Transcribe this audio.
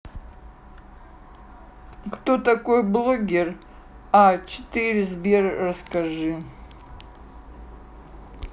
кто такой блоггер а четыре сбер расскажи